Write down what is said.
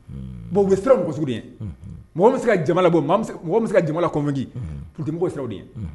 Bon u sira mɔgɔso mɔgɔ bɛ se jama bɔ mɔgɔ bɛ se jamanala kɔm tun tɛ mɔgɔ sa ye